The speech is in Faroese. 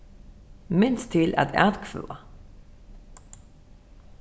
minst til at atkvøða